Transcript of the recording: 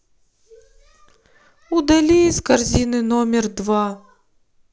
удали из корзины номер два